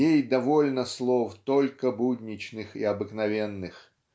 ей довольно слов только будничных и обыкновенных.